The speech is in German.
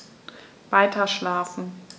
Weiterschlafen.